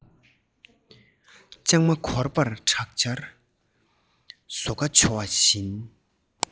ཅང མ འགོར པར དྲག ཆར ཟོ ཁས བྱོ བ བཞིན